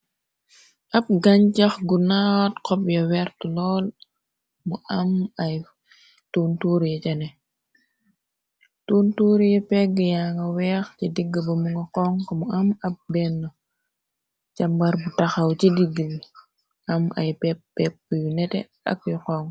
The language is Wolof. Ab gancax gu naat xob yu wert lool mu am ay tuntuur yi ca ne, tuntuur yi pegg ya nga weex ci digg ba mu nga xoŋxu, mu am ab benn ca mbar bu taxaw ci digg bi, am ay pépp pép yu nete ak yu xonxu.